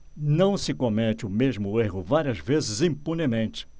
não se comete o mesmo erro várias vezes impunemente